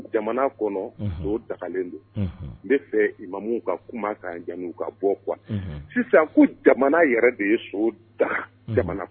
Jamanakalen don n bɛ fɛ i ma ka kuma' ka bɔ kuwa sisan ko jamana yɛrɛ de ye so da jamana kɔnɔ